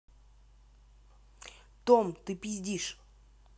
том ты пиздишь